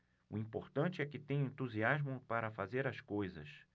o importante é que tenho entusiasmo para fazer as coisas